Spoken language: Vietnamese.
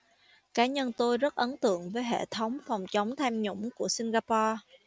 cá nhân tôi rất ấn tượng với hệ thống phòng chống tham nhũng của singapore